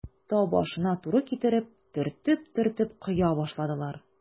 Тау башына туры китереп, төртеп-төртеп коя башладылар.